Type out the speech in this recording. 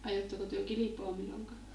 ajoitteko te kilpaa milloinkaan